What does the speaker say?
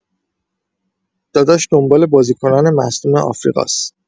داداش دنبال بازیکنان مصدوم آفریقاس